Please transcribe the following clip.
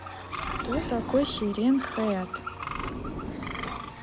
кто такой siren head